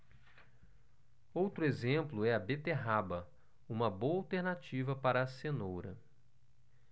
outro exemplo é a beterraba uma boa alternativa para a cenoura